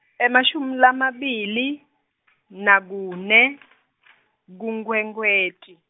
emashumi lamabili , nakune, kuNkhwekhweti.